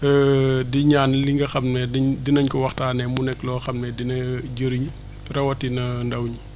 di ñaan li nga xam ne diñ dinañ ko waxtaanee mu nekk loo xam ne dina jëriñ rawatina ndaw ñi